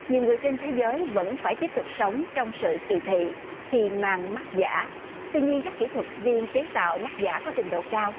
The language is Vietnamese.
nhiều người trên thế giới vẫn phải tiếp tục sống trong sự kỳ thị khi mang mắt giả tuy nhiên các kỹ thuật viên chế tạo mắt giả có trình độ cao